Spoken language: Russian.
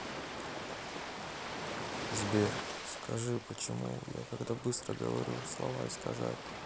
сбер скажи почему я когда быстро говорю слова искажать